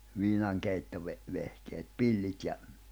- viinankeittovehkeet pillit ja